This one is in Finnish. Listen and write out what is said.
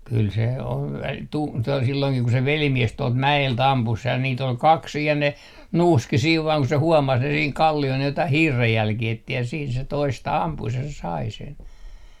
kyllä se on mutta kyllä se on -- silloinkin kun se velimies tuolta mäeltä ampui sen ja niitä oli kaksi siinä ja ne nuuski siinä vain kun se huomasi ne siinä kalliolla ne jotakin hiirenjälkiä etsi ja siinä se toista ampui ja se sai sen